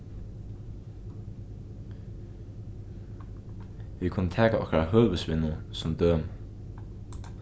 vit kunnu taka okkara høvuðsvinnu sum dømi